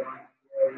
bajaaj